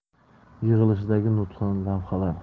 yig'ilishidagi nutqdan lavhalar